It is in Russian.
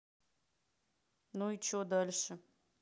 ну и че дальше